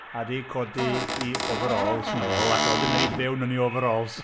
A 'di codi ei overalls nôl ac oedd o 'di wneud fewn yn ei overalls.